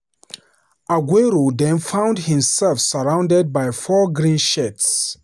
Aguero then found himself surrounded by four green shirts.